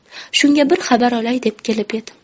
shunga bir xabar olay deb keldim